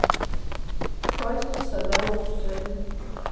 казнь саддама хусейна